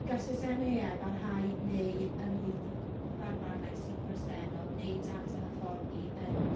gall systemau AI barhau neu ymhelaethu rhagfarnau sy'n bresennol neu data hyfforddi yn...